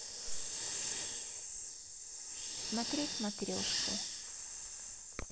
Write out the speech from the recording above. смотреть матрешку